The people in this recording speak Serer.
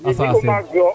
Youssou o maages o